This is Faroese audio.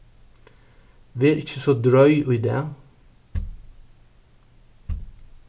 ver ikki so droy í dag